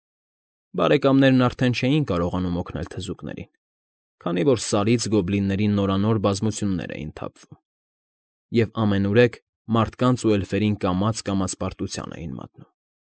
Բարեկամներն արդեն չէին կարողանում օգնել թզուկներին, քանի որ Սարից գոբլինների նորանոր բազմություններ էին թափվում, և ամենուրեք մարդկանց ու էլֆերին կամաց֊կամաց պարտության էին մատնում։